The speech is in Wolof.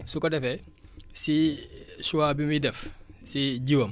su ko defee si choix bi muy def si jiwam